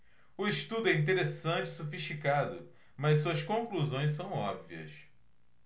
o estudo é interessante e sofisticado mas suas conclusões são óbvias